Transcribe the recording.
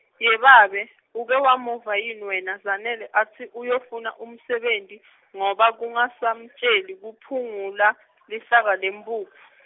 Yebabe, uke wamuva yini wena Zanele atsi uyofuna umsebenti , ngoba kungasamtjeli kuphungula, lisaka lemphuphu?